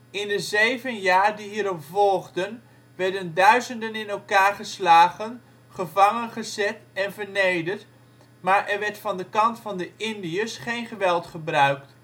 In de zeven jaar die hier op volgden werden duizenden in elkaar geslagen, gevangengezet en vernederd, maar er werd van de kant van de Indiërs geen geweld gebruikt